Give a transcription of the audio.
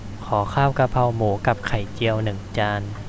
ขอข้าวกะเพราหมูกับไข่เจียวหนึ่งจาน